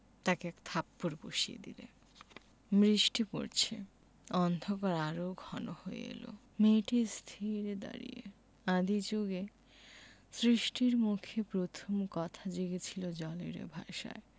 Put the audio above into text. তাকে এক থাপ্পড় বসিয়ে দিলে বৃষ্টি পরছে অন্ধকার আরো ঘন হয়ে এল মেয়েটি স্থির দাঁড়িয়ে আদি জুগে সৃষ্টির মুখে প্রথম কথা জেগেছিল জলের ভাষায়